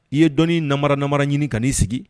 I ye dɔnni nara nara ɲini ka'i sigi